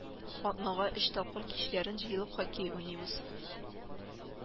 Атнага өч тапкыр кичләрен җыелып хоккей уйныйбыз